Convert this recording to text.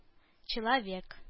Человек